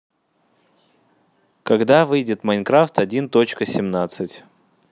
когда выйдет minecraft один точка семнадцать